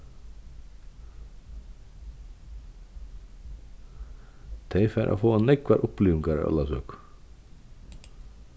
tey fara at fáa nógvar upplivingar á ólavsøku